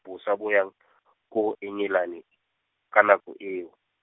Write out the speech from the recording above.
bosa bo yang , koo Engelane , ka nako e.